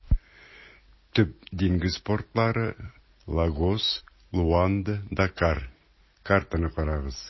Төп диңгез портлары - Лагос, Луанда, Дакар (картаны карагыз).